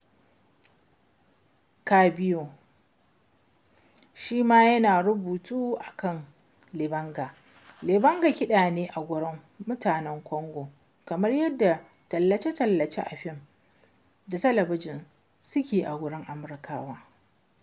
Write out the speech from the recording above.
Cabiau shi ma yana rubutu a kan ''libanga''. Libanga kiɗa ne a wurin mutanen Congo kamar yadda tallace-tallace a fim da talabijin suke a wurin Amerikawa.